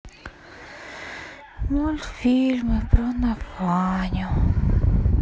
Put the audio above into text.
мультфильмы про нафаню